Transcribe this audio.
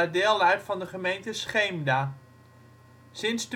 deel uit van de gemeente Scheemda. Sinds